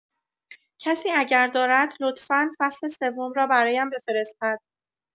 کسی اگر دارد، لطفا فصل سوم را برایم بفرستد.